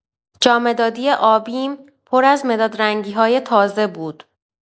جامدادی آبی‌م پر از مداد رنگی‌های تازه بود.